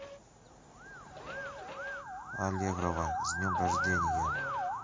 аллегрова с днем рождения